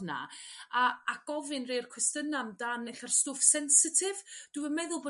'na a a gofyn rei o'r cwestiyna' amdan ella'r sdwff sensitif dwi'm yn meddwl bo